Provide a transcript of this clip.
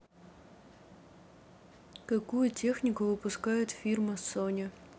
какую технику выпускает фирма sony